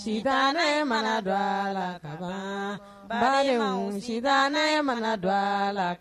Sitanɛ mana don a la ka ban balimaw sitanɛ mana don a la